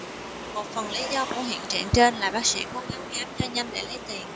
một phần lý do của hiện trạng trên là bác sĩ cố gắng khám cho nhanh để lấy tiền